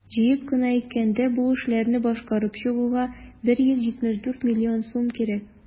Җыеп кына әйткәндә, бу эшләрне башкарып чыгуга 174 млн сум кирәк.